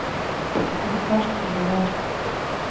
букашки жвачка